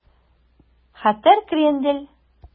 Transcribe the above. Хәтәр крендель